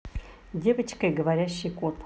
девочка и говорящий кот